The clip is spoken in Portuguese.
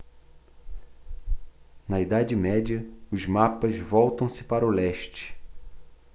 na idade média os mapas voltam-se para o leste